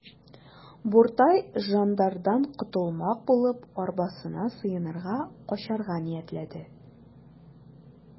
Буртай жандардан котылмак булып, арбасына сыенырга, качарга ниятләде.